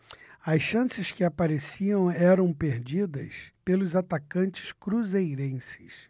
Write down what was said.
as chances que apareciam eram perdidas pelos atacantes cruzeirenses